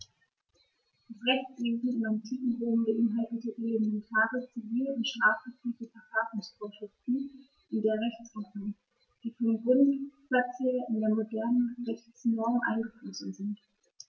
Das Rechtswesen im antiken Rom beinhaltete elementare zivil- und strafrechtliche Verfahrensvorschriften in der Rechtsordnung, die vom Grundsatz her in die modernen Rechtsnormen eingeflossen sind.